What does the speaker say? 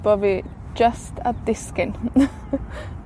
bo' fi jyst a disgyn.